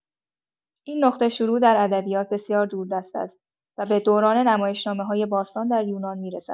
این نقطه شروع در ادبیات بسیار دوردست است و به دوران نمایشنامه‌های باستان در یونان می‌رسد.